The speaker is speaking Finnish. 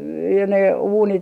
ja ne uunit